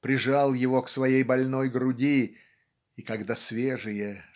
прижал его к своей больной груди и "когда свежие